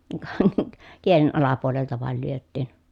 ka kielen alapuolelta vain lyötiin